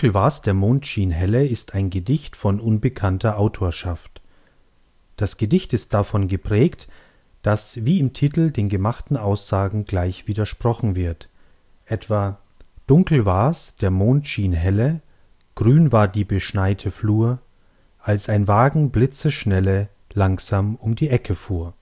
war’ s, der Mond schien helle ist ein Gedicht von unbekannter Autorschaft. Das Gedicht ist davon geprägt, dass – wie im Titel – den gemachten Aussagen gleich widersprochen wird, etwa: Dunkel war’ s, der Mond schien helle, Grün war die beschneite Flur, Als ein Wagen blitzeschnelle, Langsam um die Ecke fuhr